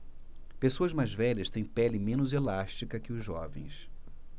pessoas mais velhas têm pele menos elástica que os jovens